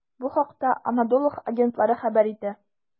Бу хакта "Анадолу" агентлыгы хәбәр итә.